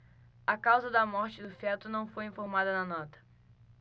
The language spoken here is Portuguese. a causa da morte do feto não foi informada na nota